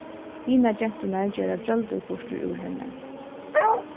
hinar genturnar gera gjøldur burtur úr henni